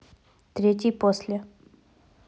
третий после